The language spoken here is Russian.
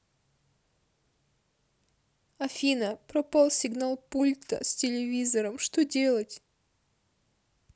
афина пропал сигнал пульта с телевизором что делать